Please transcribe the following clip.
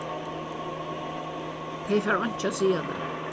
tey fara einki at siga tær